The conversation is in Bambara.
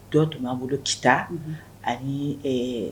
Dɔ tun b'ana bolo kita ani